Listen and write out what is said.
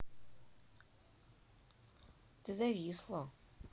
ты зависла